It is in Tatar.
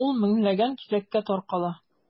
Ул меңләгән кисәккә таркала.